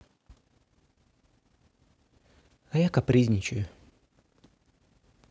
а я капризничаю